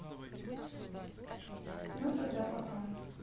ну тогда пока